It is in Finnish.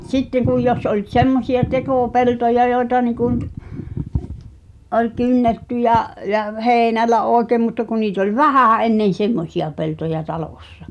sitten kun jos oli semmoisia tekopeltoja joita niin kuin nyt oli kynnetty ja ja heinällä oikein mutta kun niitä oli vähän ennen semmoisia peltoja talossa